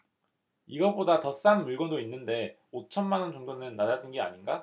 이거보다 더 싼 물건도 있는데 오 천만 원 정도는 낮아진 게 아닌가